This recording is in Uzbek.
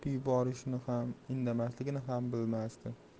yuborishini ham indamasligini ham bilmasdi